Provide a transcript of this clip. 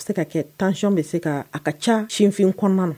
A bɛ se ka kɛ tancon bɛ se ka a ka casinsinfin kɔnɔna